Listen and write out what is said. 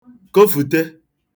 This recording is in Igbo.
kofùte